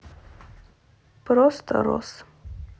просто рос